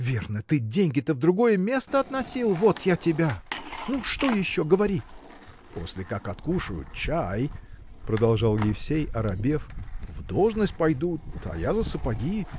Верно, ты деньги-то в другое место относил? Вот я тебя! Ну, что еще? говори. – После как откушают чай – продолжал Евсей оробев – в должность пойдут а я за сапоги